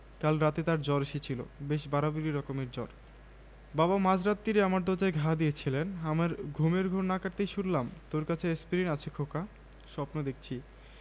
চেপে ধরে রাখে ব্যর্থ হয়ে হাওয়া তার চেষ্টা বন্ধ করে এর পর সূর্যের পালা সূর্য তার গরম তাপ ছড়ায় পথিক সঙ্গে সঙ্গে তার গায়ের চাদর খুলে ফেলে অবশেষে